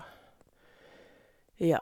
Ja.